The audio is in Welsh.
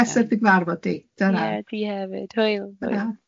Pleser i dy gyfarfod di. Dyna. Ie a ti hefyd. Hwyl. Hwyl. Tyra.